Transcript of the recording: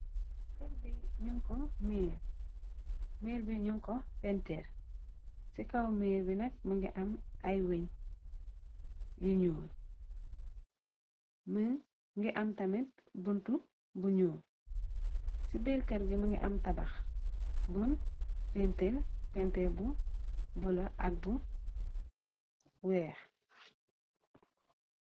Kerrr bi miir bi ñu ko pénter ci kaw miir bi nak më ngi am ay weñ yu ñuu më ngi am tamit buntu bu ñuu ci biir kër gi mi ngi am tabax bun penter bu bu la ak bu weex.